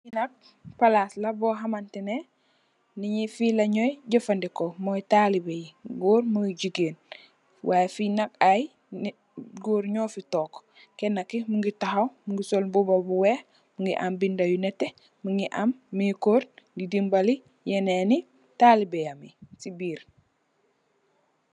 Fii nak plass la bor hamanteh neh nitt njee fii lanjoi jeufandehkor, moiiy talibeh yii, gorre mui gigain, y fii nak aiiy gorre njur fii tok, kenah kii mungy takhaw mungy sol mbuba bu wekh, mungy am binda yu nehteh, mungy am mehcorr dii dimbaleh yenen yii taibeh yam yii cii birr.